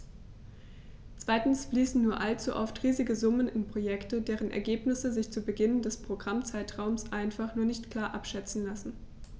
Zweitens fließen nur allzu oft riesige Summen in Projekte, deren Ergebnisse sich zu Beginn des Programmzeitraums einfach noch nicht klar abschätzen lassen.